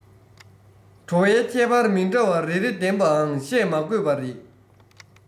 བྲོ བའི ཁྱད པར མི འདྲ བ རེ རེ ལྡན པའང བཤད མ དགོས པ རེད